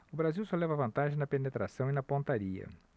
o brasil só leva vantagem na penetração e na pontaria